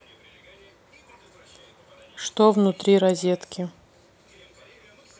что внутри розетки